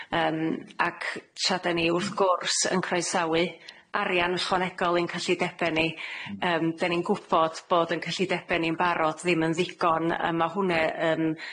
yym ac tra yden ni, wrth gwrs, yn croesawu arian ychwanegol i'n cyllidebe ni, yym 'den ni'n gwbod bod 'yn cyllidebe ni'n barod ddim yn ddigon. A ma' hwnne yn